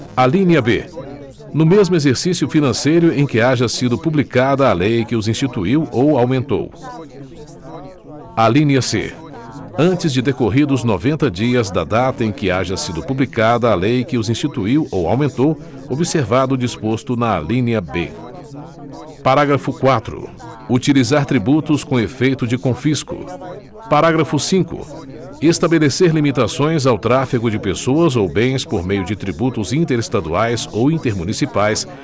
alínea b no mesmo exercício financeiro em que haja sido publicada a lei que os instituiu ou aumentou alínea c antes de decorridos noventa dias da data em que haja sido publicada a lei que os instituiu ou aumentou observado o disposto na alínea b parágrafo quatro utilizar tributo com efeito de confisco parágrafo cinco estabelecer limitações ao tráfego de pessoas ou bens por meio de tributos interestaduais ou intermunicipais